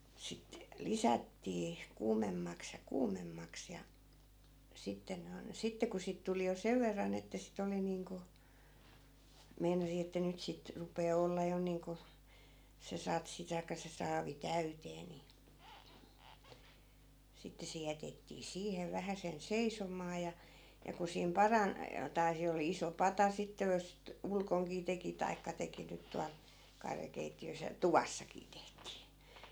sitten lisättiin kuumemmaksi ja kuumemmaksi ja sitten ne on sitten kun siitä tuli jo sen verran että sitä oli niin kuin meinasi että nyt sitä rupeaa olemaan jo niin kuin se satsi tai se saavi täyteen niin sitten se jätettiin siihen vähäsen seisomaan ja ja kun siinä parani tai se oli iso pata sitten jos sitä ulkonakin teki tai teki nyt tuolla karjakeittiössä ja tuvassakin tehtiin